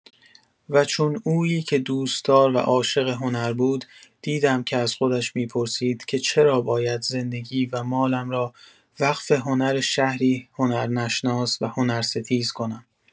وچون اویی که دوستدار و عاشق هنر بود، دیدم که از خودش می‌پرسید که چرا باید زندگی و مالم را وقف هنر شهری هنرنشناس و هنرستیز کنم؟